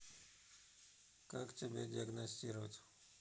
как тебя диагностировать